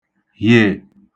-hìè